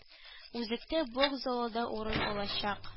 Үзектә бокс залы да урын алачак